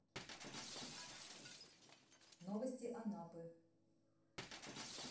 новости анапы